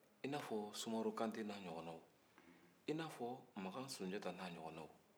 i n'a fɔ sumaworo kantɛ n'a ɲɔgɔnnaw i n'a fɔ makan sunjata n'a ɲɔgɔnnaw